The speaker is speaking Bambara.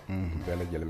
Bɛɛ lajɛlen